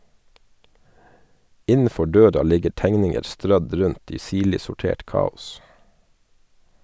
Innenfor døra ligger tegninger strødd rundt i sirlig sortert kaos.